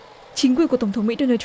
chính quyền của tổng thống mỹ đô nan